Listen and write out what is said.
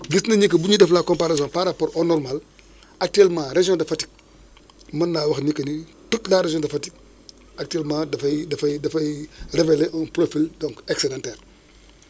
gis nañ ni que bu ñuy def la comparaison par rapport au normal actuellement région de Fatick mën naa wax ni que ni toute la région de Fatick actuellement dafay dafay dafay révélé un profil donc excedentaire